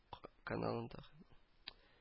Каналындагы